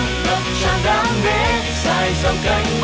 ta bước